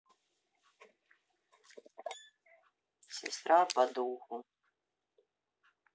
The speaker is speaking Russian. сестра по духу